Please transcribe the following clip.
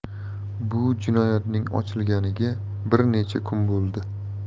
bu jinoyatning ochilganiga bir necha kun bo'ldi